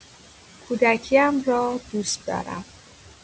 کودکیم را، دوست دارم.